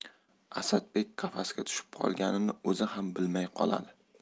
asadbek qafasga tushib qolganini o'zi ham bilmay qoladi